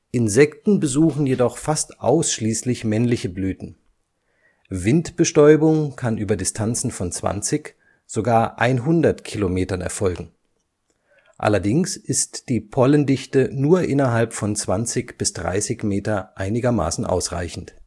Insekten besuchen jedoch fast ausschließlich männliche Blüten. Windbestäubung kann über Distanzen von 20, sogar 100 Kilometern erfolgen. Allerdings ist die Pollendichte nur innerhalb von 20 bis 30 Meter einigermaßen ausreichend